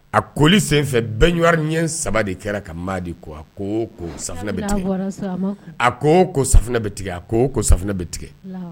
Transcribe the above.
A koli senfɛ baignoire ɲɛ 3 de kɛra ka Madi ko a ko o ko safunɛ bɛ tigɛ a ko o ko safunɛ bɛ tigɛ a ko o ko safunɛ bɛ tigɛ